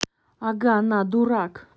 ага на дурак